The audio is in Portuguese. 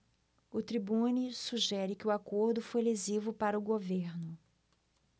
o tribune sugere que o acordo foi lesivo para o governo